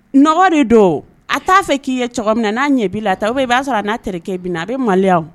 Nɔgɔ de don wo, a t'a fɛ k'i ye cogo min na n'a ɲɛ b'i la ta ou bien i b'a sɔrɔ a n'a terikɛ bɛ na a bɛ maloya wo